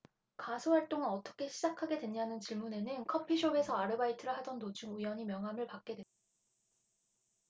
가수 활동은 어떻게 시작하게 됐냐는 질문에는 커피숍에서 아르바이트를 하던 도중 우연히 명함을 받게 됐어요